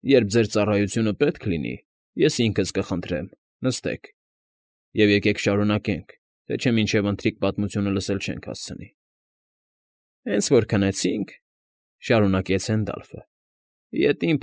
Երբ ձեր ծառայությունը պետք լինի, ես ինքս կխնդրեմ, նստեք, և եկեք շարունակենք, թե չէ մինչև ըթրիք պատմությունը լսել չենք հասցնի։ ֊ Հենց որ քնեցինք,֊ շարունակեց Հենդալֆը,֊ ետին։